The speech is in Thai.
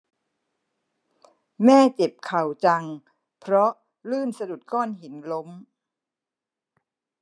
แม่เจ็บเข่าจังเพราะลื่นสะดุดก้อนหินล้ม